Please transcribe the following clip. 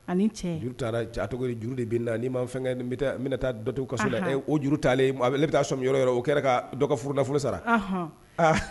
Taara cogo juru de bin na ni' ma fɛn taa dɔt kasɔ o juru talen e bɛ taaa sɔn yɔrɔ yɔrɔ o kɛra ka dɔ ka furuffolo sara